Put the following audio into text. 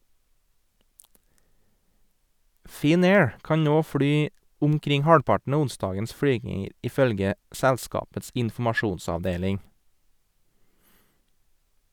Finnair kan nå fly omkring halvparten av onsdagens flyginger, ifølge selskapets informasjonsavdeling.